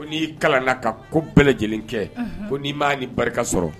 Ko n''i kalan ka ko bɛɛ lajɛlen kɛ ko n'i m'a ni barika sɔrɔ